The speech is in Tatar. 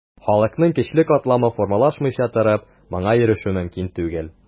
Халыкның көчле катламы формалашмыйча торып, моңа ирешү мөмкин түгел.